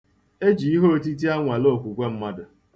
E ji iheotiti anwale okwukwe mmadụ